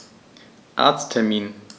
Arzttermin